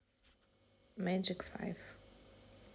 мэджик файв